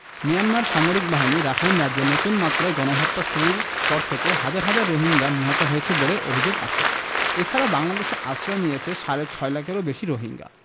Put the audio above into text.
Myanmar সামরিক বাহিনী Rakhine রাজ্যে নতুন মাত্রায় গণহত্যা শুরুর পর থেকে হাজার হাজার রোহিঙ্গা নিহত হয়েছে বলে অভিযোগ আছে এ ছাড়া বাংলাদেশে আশ্রয় নিয়েছে সাড়ে ছয় লাখেরও বেশি রোহিঙ্গা